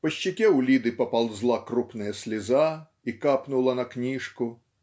По щеке у Лиды поползла крупная слеза и капнула на книжку.